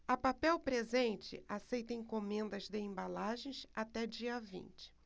a papel presente aceita encomendas de embalagens até dia vinte